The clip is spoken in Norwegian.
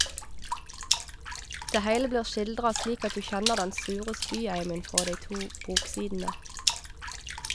Det heile blir skildra slik at du kjenner den sure spyeimen frå dei to boksidene!